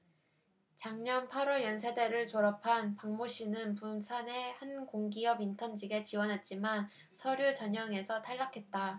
작년 팔 월 연세대를 졸업한 박모씨는 부산의 한 공기업 인턴 직에 지원했지만 서류 전형에서 탈락했다